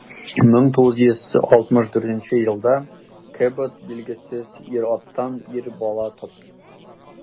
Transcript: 1964 елда кэбот билгесез ир-аттан ир бала тапты.